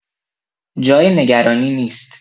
جای نگرانی نیست.